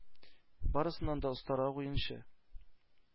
Барысыннан да остарак уенчы,